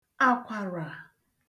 àkwàrà